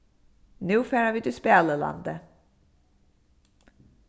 nú fara vit í spælilandið